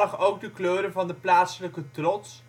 ook de kleuren van de plaatselijke trots